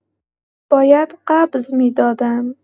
باید قبض می‌دادم.